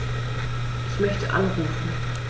Ich möchte anrufen.